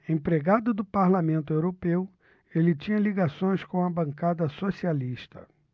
empregado do parlamento europeu ele tinha ligações com a bancada socialista